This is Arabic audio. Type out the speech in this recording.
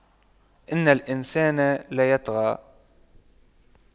إِنَّ الإِنسَانَ لَيَطغَى